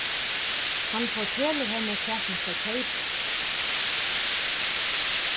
hann fortelur henni hvat hon skal keypa